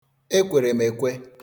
Ekwere m ekwe.